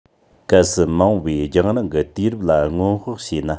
གལ སྲིད མ འོངས པའི རྒྱང རིང གི དུས རབས ལ སྔོན དཔག བྱས ན